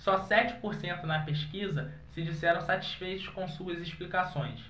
só sete por cento na pesquisa se disseram satisfeitos com suas explicações